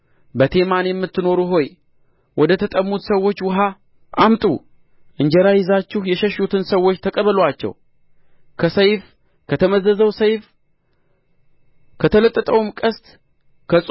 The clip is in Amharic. በቴማን የምትኖሩ ሆይ ወደ ተጠሙት ሰዎች ውኃ አምጡ እንጀራ ይዛችሁ የሸሹትን ሰዎች ተቀበሉአቸው ከሰይፍ ከተመዘዘው ሰይፍ ከተለጠጠውም ቀስት